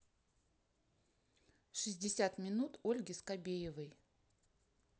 шестьдесят минут ольги скобеевой